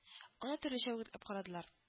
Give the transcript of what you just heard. Аны төрлечә үгетләп карадылар: